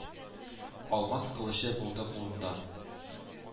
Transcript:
Алмаз кылычы булды кулында.